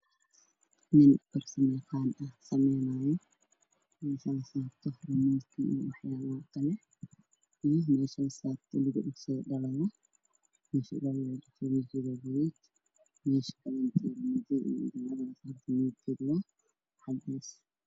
Nin farsamayaqaan ah oo sameeyo alaabta ayaa wuxuu halkaas ku sameynayaa sariir jabtay oo ka jagtay lug lugaheeda ka mid ah